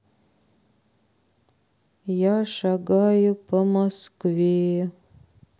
я шагаю по москве